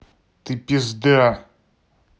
ты пизда